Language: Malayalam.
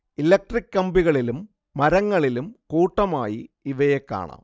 ഇലക്ട്രിക് കമ്പികളിലും മരങ്ങളിലും കൂട്ടമായി ഇവയെ കാണാം